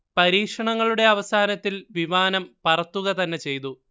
പരീക്ഷണങ്ങളുടെ അവസാനത്തിൽ വിമാനം പറത്തുകതന്നെ ചെയ്തു